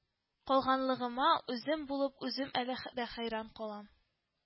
Калганлыгыма үзем булып үзем әле дә хәйран калам